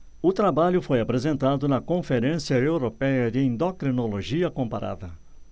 o trabalho foi apresentado na conferência européia de endocrinologia comparada